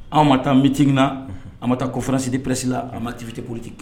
An ma taa bitiina an ma taa ko fanasidi presila an ma tibiti koliti